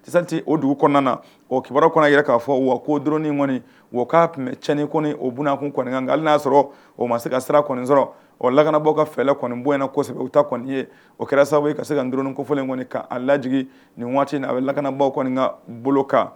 Ti o dugu kɔnɔna na o kibaruya kɔnɔ yɛrɛ k'a fɔ wa kodi kɔniɔni wa k' cɛnɲɛni kɔni o bkun kɔnikan nkaale y'a sɔrɔ o ma se ka sira kɔni sɔrɔ lakanabɔ ka fɛlɛ kɔni bɔ in nasɛbɛ u bɛ ta kɔniɔni ye o kɛra sababu ka se kad kofɔlen kɔni ka lajigi nin waati in a bɛ lakanabagaw kɔni ka bolokan